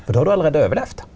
for då har du allereie overlevt.